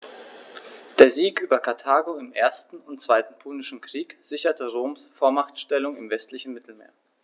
Der Sieg über Karthago im 1. und 2. Punischen Krieg sicherte Roms Vormachtstellung im westlichen Mittelmeer.